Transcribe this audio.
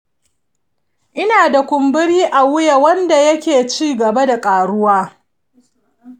ina da kumburi a wuya wanda yake ci gaba da ƙaruwa.